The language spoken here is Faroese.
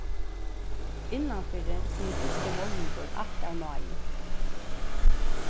innanfyri sigur fyrsti málningur alt av náði